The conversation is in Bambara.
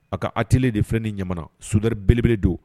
A ka a t de filɛ ni ɲa sodari belebele don